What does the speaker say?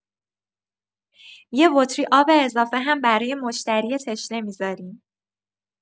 یه بطری آب اضافه هم برای مشتری تشنه می‌ذاریم.